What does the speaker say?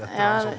ja.